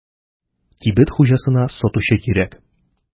Кибет хуҗасына сатучы кирәк.